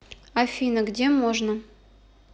афина где можно